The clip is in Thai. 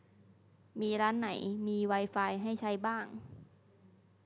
มีร้านไหนมีไวไฟให้ใช้บ้าง